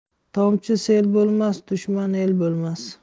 tomchi sel bo'lmas dushman el bo'lmas